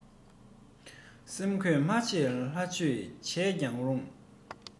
སེམས གོས མ ཆོད ལྷ ཆོས བྱས ཀྱང རུང